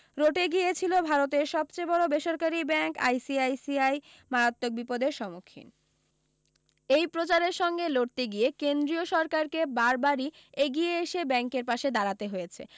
রটে গিয়েছিল ভারতের সবচেয়ে বড় বেসরকারি ব্যাংক আইসিআইসিআই মারাত্মক বিপদের সম্মুখীন এই প্রচারের সঙ্গে লড়তে গিয়ে কেন্দ্রীয় সরকারকে বারবারি এগিয়ে এসে ব্যাংকের পাশে দাঁড়াতে হয়েছে